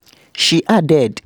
She added: